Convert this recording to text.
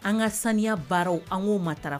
An ka sanuya baaraw an k'o ma ta